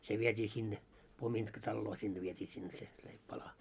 se vietiin sinne pomintkataloon sinne vietiin sinne se leipäpala